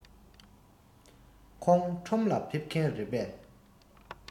ཁོང ཁྲོམ ལ ཕེབས མཁན རེད པས